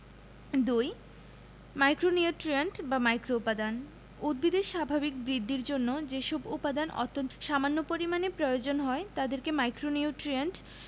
২ micronutrient বা মাইক্রোউপাদান উদ্ভিদের স্বাভাবিক বৃদ্ধির জন্য যেসব উপাদান অত্যন্ত সামান্য পরিমাণে প্রয়োজন হয় তাদেরকে মাইক্রোনিউট্রিয়েন্ট